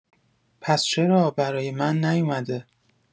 پس چرا برای من نیومده؟!